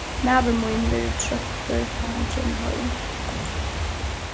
maður mín verður troyttur tá hann kemur heim